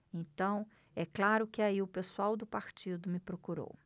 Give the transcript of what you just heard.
então é claro que aí o pessoal do partido me procurou